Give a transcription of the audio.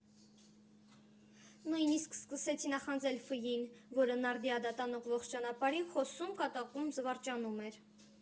Նույնիսկ սկսեցի նախանձել Ֆ֊ին, որը Նարդիադա տանող ողջ ճանապարհին խոսում, կատակում, զվարճանում էր։